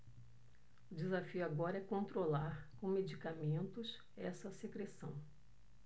o desafio agora é controlar com medicamentos essa secreção